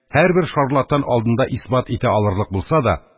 Һәрбер шарлатан алдында исбат итә алырлык булса да,